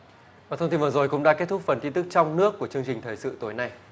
và thông tin vừa rồi cũng đã kết thúc phần tin tức trong nước của chương trình thời sự tối nay